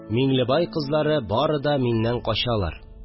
Миңлебай кызлары бары да миннән качалар